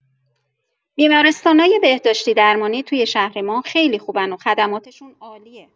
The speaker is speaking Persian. بیمارستانای بهداشتی‌درمانی توی شهر ما خیلی خوبن و خدماتشون عالیه.